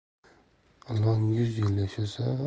ilon yuz yil yashasa